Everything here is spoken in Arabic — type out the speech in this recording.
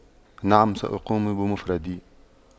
نعم سأقوم بمفردي